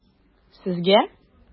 Сезгә?